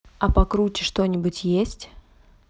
а покруче что нибудь есть